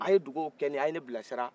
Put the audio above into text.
a ye dugawu kɛ ne ye a ye ne bilasira